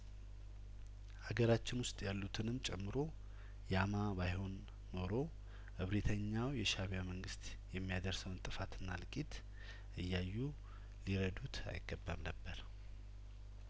አገራችን ውስጥ ያሉትንም ጨምሮ ያማ ባይሆን ኖሮ እብሪተኛው የሻእቢያ መንግስት የሚያደርሰውን ጥፋት እና እልቂት እያዩ ሊረዱት አይገባም ነበር